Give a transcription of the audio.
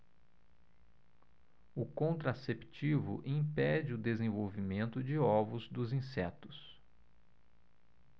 o contraceptivo impede o desenvolvimento de ovos dos insetos